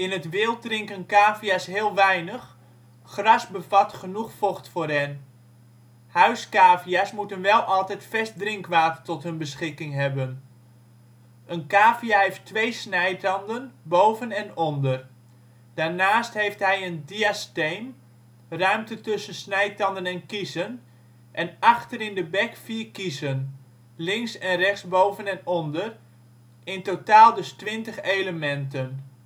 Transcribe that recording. het wild drinken cavia 's heel weinig; gras bevat genoeg vocht voor hen. Huiscavia 's moeten wel altijd vers drinkwater tot hun beschikking hebben. Een cavia heeft twee snijtanden boven en onder. Daarnaast heeft hij een diasteem (ruimte tussen snijtanden en kiezen) en achter in de bek vier kiezen, links en rechts, boven en onder; in totaal dus 20 elementen